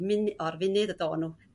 munu- o'r funud y do'n n'w